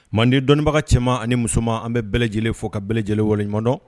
Manden dɔnniibaga cɛman ani musoman an bɛ bɛɛ lajɛlen fo ka bɛɛ lajɛlenele waleɲumandɔn